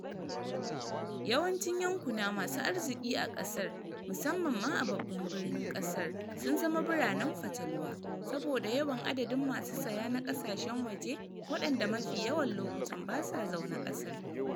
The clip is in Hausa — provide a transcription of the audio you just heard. Yawancin yankuna masu arziki a kasar - musamman ma a babban birnin kasar - sun zama "biranen fatalwa" saboda yawan adadin masu saya na kasashen waje waɗanda mafi yawan lokutan basa zaune kasar.